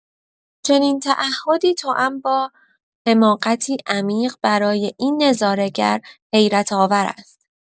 چنین تعهدی توام با حماقتی عمیق برای این نظاره‌گر حیرت‌آور است!